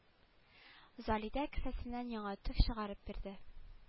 Залидә кесәсеннән яңа төк чыгарып бирде